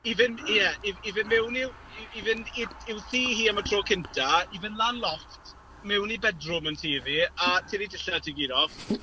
I fynd - ie - i i fynd mewn i'w... i i fynd i i'w thŷ hi am y tro cynta, i fynd lan lofft mewn i bedroom yn tŷ ddi a tynnu dillad ti gyd off.